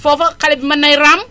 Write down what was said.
foofa xale bi mën nay raam